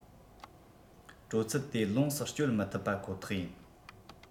དྲོད ཚད དེ ལོངས སུ སྤྱོད མི ཐུབ པ ཁོ ཐག ཡིན